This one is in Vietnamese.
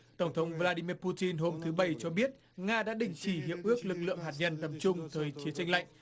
tổng thống vờ la đi mia pu tin hôm thứ bảy cho biết nga đã đình chỉ hiệp ước lực lượng hạt nhân tầm trung thời chiến tranh lạnh